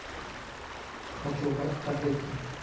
хочу котлетки